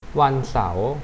วันเสาร์